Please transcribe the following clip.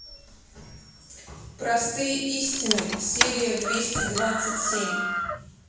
простые истины серия двести двадцать семь